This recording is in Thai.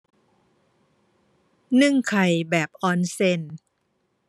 นึ่งไข่แบบออนเซ็น